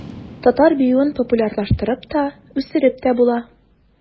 Татар биюен популярлаштырып та, үстереп тә була.